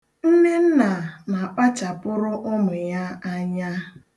Nnenna na-akpachapụrụ ụmụ ya anya.